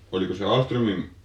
oliko se Ahlströmin